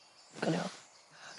Gawn ni wel'.